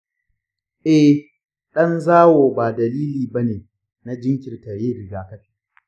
eh, ɗan zawo ba dalili ba ne na jinkirta yin rigakafi.